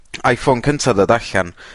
Iphone cynta ddod allan